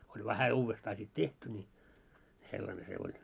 oli vähän uudestaan sitten tehty niin sellainen se oli